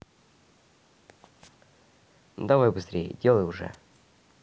давай быстрее делай уже